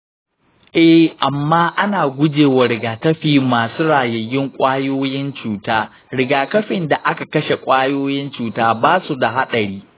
eh, amma ana guje wa rigakafi masu rayayyun ƙwayoyin cuta. rigakafin da aka kashe ƙwayoyin cuta ba su da haɗari.